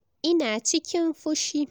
Ina cikin fushi."